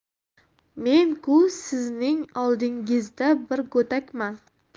men ku sizning oldingizda bir go'dakman